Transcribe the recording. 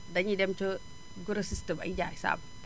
daénuy dem ca grossiste bay jaay saabu